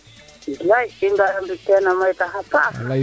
bilay i mbara mbi teen a moytax a paax